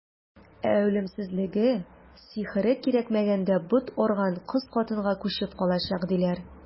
Ә үлемсезлеге, сихере кирәкмәгәндә бот аерган кыз-хатынга күчеп калачак, диләр.